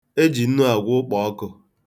E ji nnu agwọ ụkpọọkụ.